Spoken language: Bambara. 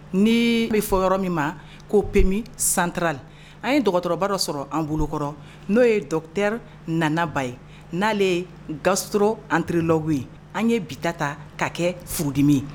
Ni bɛ fɔ yɔrɔ min ma ko peme santurali an ye dɔgɔtɔrɔ dɔ sɔrɔ an bolokɔrɔ n'o yete nana ba ye n'ale ye gasɔrɔ an teri lɔ an ye bita ta ka kɛ furudimi ye